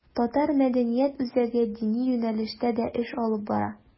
Татар мәдәният үзәге дини юнәлештә дә эш алып бара.